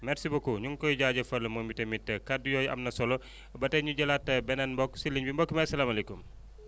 merci beaucoup ñu ngi koy jaajëfal moom itamit kàddu yooyu am na solo ba tey ñu jëlaat beneen mbokk si ligne bi mbokk mi asalaamaaleykum